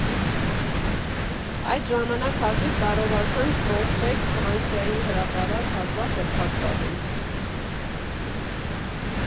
Այդ ժամանակ հազիվ կարողացանք Պրոսպեկտ֊Ֆրանսիայի հրապարակ հատվածը փակ պահել։